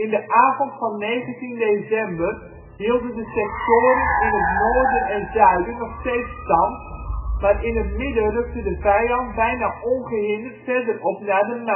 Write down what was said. de avond van 19 december hielden de sectoren in het noorden en zuiden nog steeds stand, maar in het midden rukte de vijand bijna ongehinderd verder op naar de Maas